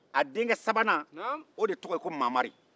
a denkɛ sabanan o de tɔgɔ ye ko mamari